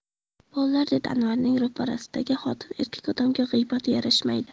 bolalar dedi anvarning ro'parasidagi xotin erkak odamga g'iybat yarashmaydi